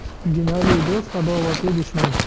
ginah do'st adovatli dushman